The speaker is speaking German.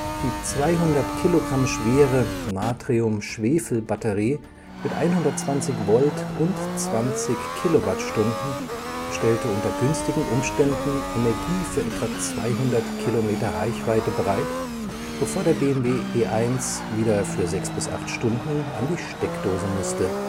Die 200 Kilogramm schwere Natrium-Schwefel-Batterie mit 120 Volt und 20 kWh stellte unter günstigen Umständen Energie für ca. 200 km Reichweite bereit, bevor der BMW E1 wieder für 6 – 8 Stunden an die Steckdose musste